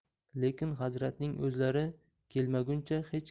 lekin hazratning o'zlari kelmaguncha hech